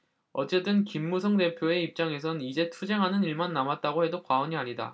어쨌든 김무성 대표의 입장에선 이제 투쟁하는 일만 남았다고 해도 과언이 아니다